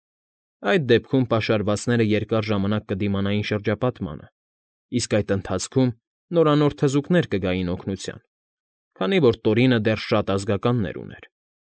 Այդ դեպքում պաշարվածները երկար ժամանակ կդիմանային շրջապատմանը, իսկ այդ ընթացքում նորանոր թզուկներ կգային օգնության, քանի որ Տորինը դեռ շատ ազգականներ ուներ։